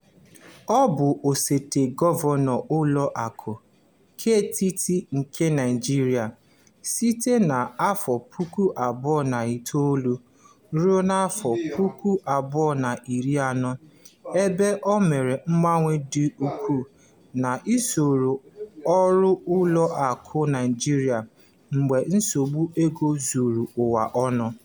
Ọ bụ osote gọvanọ Ụlọakụ Ketiti nke Naịjirịa site na 2009 ruo 2014, ebe "o mere mgbanwe dị ukwuu n'usoro ọrụ ụlọ akụ Naijiria mgbe nsogbu ego zuru ụwa ọnụ."